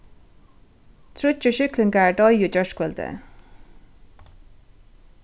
tríggir sjúklingar doyðu í gjárkvøldið